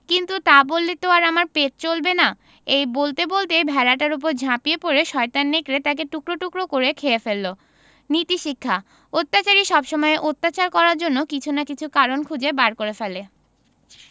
কিন্তু তা বললে তো আর আমার পেট চলবে না এই বলতে বলতেই ভেড়াটার উপর ঝাঁপিয়ে পড়ে শয়তান নেকড়ে তাকে টুকরো টুকরো করে খেয়ে ফেলল নীতিশিক্ষাঃ অত্যাচারী সবসময়ই অত্যাচার করার জন্য কিছু না কিছু কারণ খুঁজে বার করে ফেলে